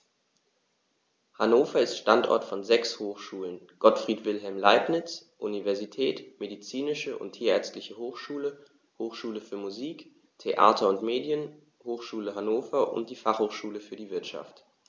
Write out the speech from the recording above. Hannover ist Standort von sechs Hochschulen: Gottfried Wilhelm Leibniz Universität, Medizinische und Tierärztliche Hochschule, Hochschule für Musik, Theater und Medien, Hochschule Hannover und die Fachhochschule für die Wirtschaft.